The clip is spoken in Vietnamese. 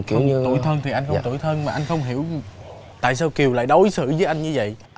tủi thân thì anh không tủi thân mà anh không hiểu tại sao kiều lại đối xử với anh như vậy